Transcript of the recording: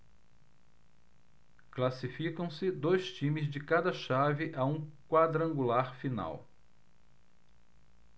classificam-se dois times de cada chave a um quadrangular final